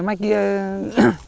mai kia